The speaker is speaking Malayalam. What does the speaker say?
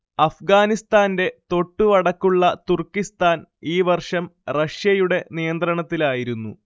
അഫ്ഗാനിസ്താന്റെ തൊട്ടുവടക്കുള്ള തുർക്കിസ്താൻ ഈ വർഷം റഷ്യയുടെ നിയന്ത്രണത്തിലായിരുന്നു